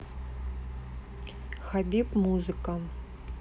хабиб музыка